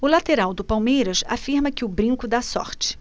o lateral do palmeiras afirma que o brinco dá sorte